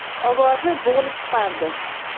ovozi bo'g'ilib chiqardi